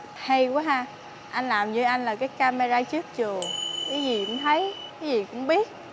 hay quá ha anh làm như anh là cái ca mê ra trước trường cái gì cũng thấy cái gì cũng biết